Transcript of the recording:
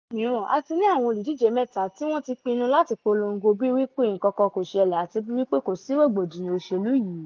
Lórọ̀ mìíràn, a ti ní àwọn olúdíje mẹ́ta tí wọ́n ti pinnu láti polongo bí wípé nǹkankan kò ṣẹlẹ̀ àti bíi wípé kò sí rògbòdìyàn òṣèlú yìí.